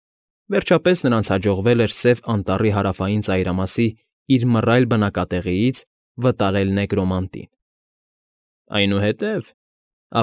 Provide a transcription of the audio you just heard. Վերջապես նրանց հաջողվել էր Սև Անտառի հարավային ծայրամասի իր մռայլ բնակատեղիից վտարել Նեկրոմանտին։ ֊ Այնուհետև,֊